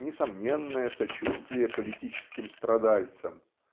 несомненное сочувствие политическим страдальцам